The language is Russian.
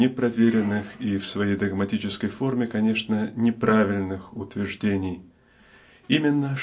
непроверенных и в своей догматической форме конечно неправильных утверждений именно